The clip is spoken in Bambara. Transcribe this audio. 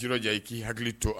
Jirɔ ja i k'i hakili to a